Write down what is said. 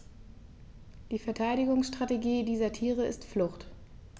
Die Verteidigungsstrategie dieser Tiere ist Flucht.